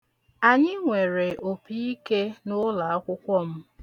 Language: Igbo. Anyị nwere opiike n'ụlọakwụkwọ m.